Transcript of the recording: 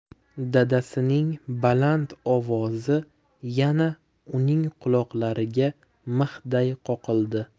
dadasining baland ovozi yana uning quloqlariga mixday qoqildi